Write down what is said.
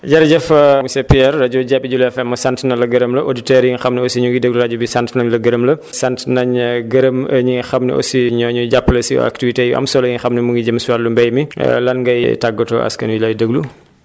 jërëjëf monsieur Pierre rajo Jabi Jula FM sant na la gërëm la auditeurs yi nga xam ne aussi énu ngi déglu rajo bi sant nañ la gërëm la sant nañ gërëm ñi nga xam ne aussi énoo ñuy jàppale si activités yu am solo yi nga xam ne mu ngi jëm si wàllu mbéy mi lan ngay tàggatoo askan wi lay déglu